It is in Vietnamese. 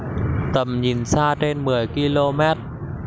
tầm nhìn xa trên mười ki lô mét